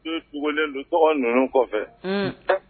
N sugulen don tɔgɔ ninnu kɔfɛ